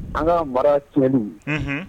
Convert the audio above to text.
An ka mara cɛ